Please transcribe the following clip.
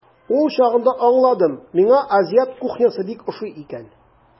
Ул чагында аңладым, миңа азиат кухнясы бик ошый икән.